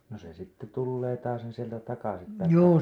no se sitten tulee taasen sieltä takaisin tänne